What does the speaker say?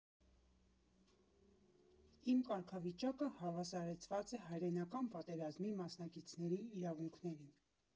Իմ կարգավիճակը հավասարեցված է Հայրենական պատերազմի մասնակիցների իրավունքներին։